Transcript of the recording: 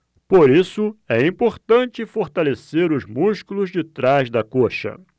por isso é importante fortalecer os músculos de trás da coxa